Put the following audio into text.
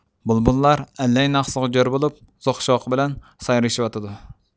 بۇلبۇللار ئەللەي ناخشىسىغا جۆر بولۇپ زوق شوقى بىلەن سايرىشىۋاتىدۇ